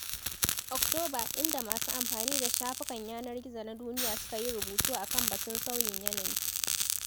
Oktoba, inda masu amfani da shafukan yanar gizo na duniya suka yi rubutu a kan batun sauyin yanayi.